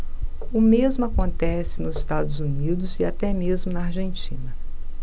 o mesmo acontece nos estados unidos e até mesmo na argentina